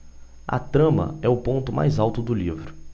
a trama é o ponto mais alto do livro